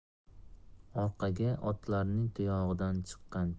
orqada otlarning tuyog'idan chiqqan